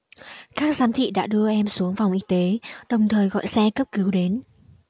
các giám thị đã đưa em xuống phòng y tế đồng thời gọi xe cấp cứu đến